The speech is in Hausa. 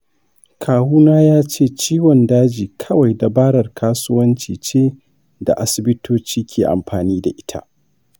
kawuna ya ce ciwon daji kawai dabarar kasuwanci ce da asibitoci ke amfani da ita.